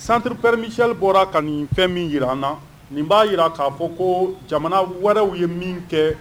Santuurupremesli bɔra ka nin fɛn min jira an na nin b'a jira k'a fɔ ko jamana wɛrɛw ye min kɛ